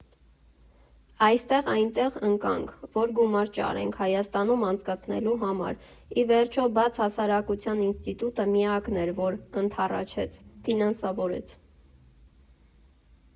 Այստեղ֊այնտեղ ընկանք, որ գումար ճարենք Հայաստանում անցկացնելու համար, ի վերջո՝ Բաց հասարակության ինստիտուտը միակն էր, որ ընդառաջեց՝ ֆինանսավորեց։